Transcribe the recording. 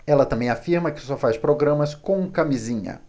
ela também afirma que só faz programas com camisinha